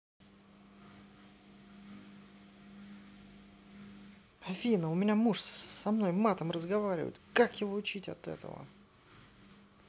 афина у меня муж со мной матом разговаривать как его отучить от этого